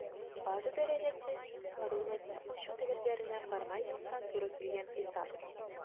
«база дәрәҗәсе» - мәгълүматны ачу таләпләренә формаль яктан туры килгән хисап.